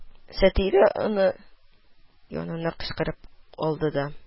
Сатирә аны янына чакырып алды да: